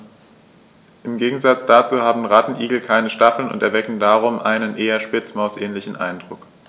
Im Gegensatz dazu haben Rattenigel keine Stacheln und erwecken darum einen eher Spitzmaus-ähnlichen Eindruck.